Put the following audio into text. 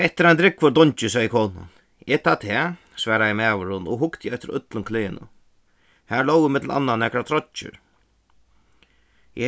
hetta er ein drúgvur dungi segði konan er tað tað svaraði maðurin og hugdi eftir øllum klæðunum har lógu millum annað nakrar troyggjur